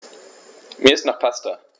Mir ist nach Pasta.